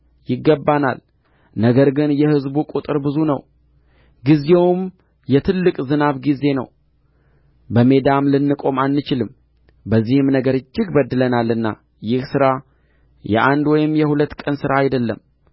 ይገባናል ነገር ግን የሕዝቡ ቍጥር ብዙ ነው ጊዜውም የትልቅ ዝናብ ጊዜ ነው በሜዳም ልንቆም አንችልም በዚህም ነገር እጅግ በድለናልና ይህ ሥራ የአንድ ወይም የሁለት ቀን ሥራ አይደለም